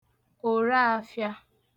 òraāfị̄ā